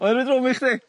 Mae ry drwm i chdi?